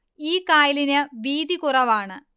ഈ കായലിന് വീതികുറവാണ്